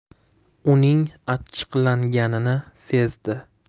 uning achchiqlanganini sezdi